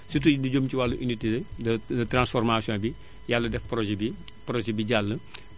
surtout yu jëm ci wàllu unité de transformation bi Yàlla def projet bi projet bi jàll